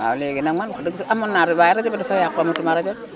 waaw léegi nag man wax dëgg sax amoon naa rajo waaye rajo ba dafa yaqu amatuma rajo de